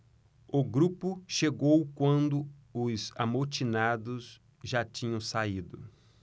o grupo chegou quando os amotinados já tinham saído